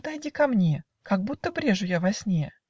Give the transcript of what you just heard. подойди ко мне - Как будто брежу я во сне.